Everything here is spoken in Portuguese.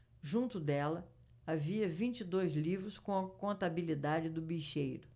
junto dela havia vinte e dois livros com a contabilidade do bicheiro